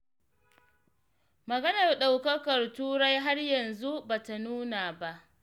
Maganar ɗaukakar Turai har yanzu ba ta nuna ba.